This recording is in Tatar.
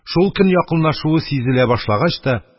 Шул көн якынлашуы сизелә башлагач та,